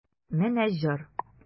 Менә җор!